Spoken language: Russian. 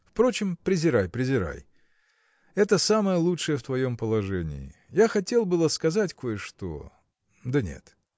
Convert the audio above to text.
Впрочем, презирай, презирай: это самое лучшее в твоем положении. Я хотел было сказать кое-что. да нет.